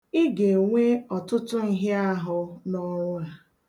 Ị ga-enwe ọtụtụ nhịaahụ n'ọrụ a.